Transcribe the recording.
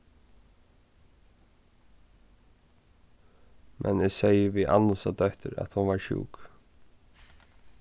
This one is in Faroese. men eg segði við annusa dóttir at hon var sjúk